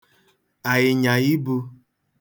àị̀nyà ibū